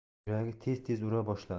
yuragi tez tez ura boshladi